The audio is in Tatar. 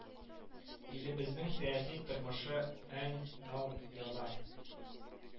Илебезнең сөяси тормышы ән ал, яла